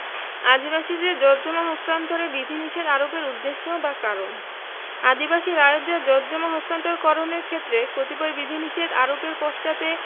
আদিবাসীদের জোতজমা হস্তান্তরে বিধিনিষেধ আরোপের উদ্দেশ্য বা কারণ আদিবাসী রায়তদের জোতজমা হস্তান্তর করণের ক্ষেত্রে কতিপয় বিধিনিষেধ আরোপের পশ্চাতে